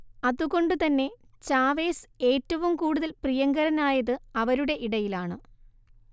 അതുകൊണ്ടുതന്നെ ചാവേസ് ഏറ്റവും കൂടുതൽ പ്രിയങ്കരനായത് അവരുടെ ഇടയിലാണ്